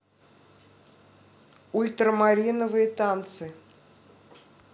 ультрамариновые танцы